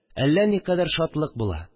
Әллә никадәр шатлык була